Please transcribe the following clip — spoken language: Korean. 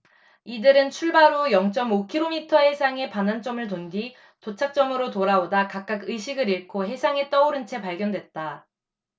이들은 출발 후 영 쩜 오 키로미터 해상의 반환점을 돈 뒤 도착점으로 돌아오다 각각 의식을 잃고 해상에 떠오른 채 발견됐다